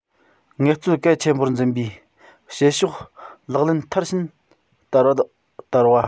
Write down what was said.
ངལ རྩོལ གལ ཆེན པོར འཛིན པའི བྱེད ཕྱོགས ལག ལེན མཐར ཕྱིན བསྟར བ